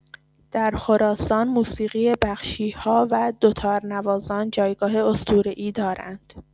در خراسان موسیقی بخشی‌ها و دوتارنوازان جایگاه اسطوره‌ای دارند.